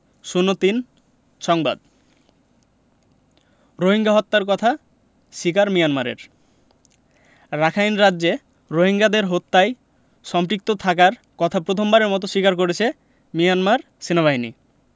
০৩ সংবাদ রোহিঙ্গা হত্যার কথা স্বীকার মিয়ানমারের রাখাইন রাজ্যে রোহিঙ্গাদের হত্যায় সম্পৃক্ত থাকার কথা প্রথমবারের মতো স্বীকার করেছে মিয়ানমার সেনাবাহিনী